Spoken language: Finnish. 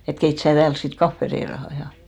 että keitä sinä täällä sitten kahvi reilaan ja